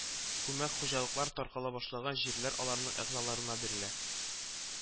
Күмәк хуҗалыклар таркала башлагач җирләр аларның әгъзаларына бирәлә